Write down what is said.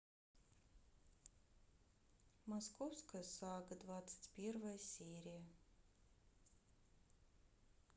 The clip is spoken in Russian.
московская сага двадцать первая серия